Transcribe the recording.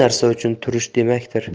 uchun turish demakdir